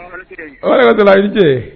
walekumasala i ni ce